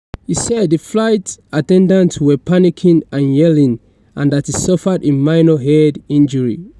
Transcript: He said the flight attendants were panicking and yelling, and that he suffered a minor head injury.